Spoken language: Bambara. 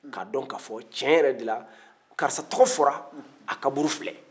k'a dɔn k'a fɔ tiɲɛ yɛrɛ de la karisa tɔgɔ fɔra a kaburu filɛ